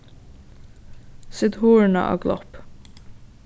set hurðina á glopp